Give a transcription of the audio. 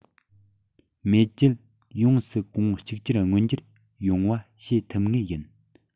མེས རྒྱལ ཡོངས སུ གོང བུ གཅིག གྱུར མངོན འགྱུར ཡོང བ བྱེད ཐུབ ངེས ཡིན